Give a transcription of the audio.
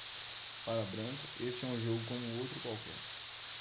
para branco este é um jogo como outro qualquer